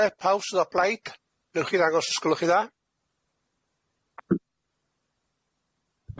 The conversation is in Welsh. le, pawb sydd o blaid, newch chi ddangos os gwelwch chi'n dda.